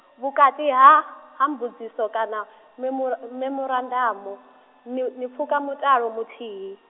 vhukati ha ha mbudziso kana memor- memorandamu ni ni pfuka mutalo muthihi.